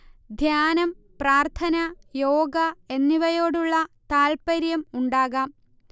ധ്യാനം, പ്രാര്ത്ഥ്ന, യോഗ എന്നിവയോടുള്ള താല്പര്യം ഉണ്ടാകാം